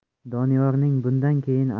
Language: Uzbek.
doniyorning bundan keyin